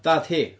Dad hi?